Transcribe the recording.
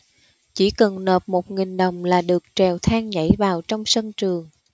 chỉ cần nộp một nghìn đồng là được trèo thang nhảy vào trong sân trường